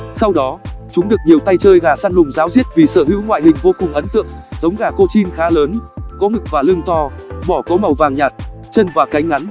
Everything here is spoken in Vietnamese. sau đó chúng được nhiều tay chơi gà săn lùng ráo riết vì sở hữu ngoại hình vô cùng ấn tượng giống gà cochin khá lớn có ngực và lưng to mỏ có màu vàng nhạt chân và cánh ngắn